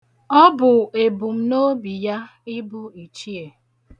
Ọ bụ ebumnobi ya ibu ichie.